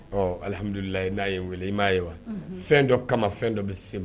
Ɔ alihamududulilayi n'a ye weele wele i m'a ye wa fɛn dɔ kama fɛn dɔ bɛ se